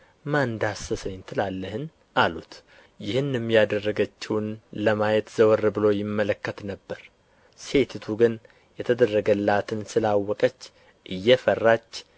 ማን ዳሰሰኝ ትላለህን አሉት ይህንም ያደረገችውን ለማየት ዘወር ብሎ ይመለከት ነበር ሴቲቱ ግን የተደረገላትን ስላወቀች እየፈራች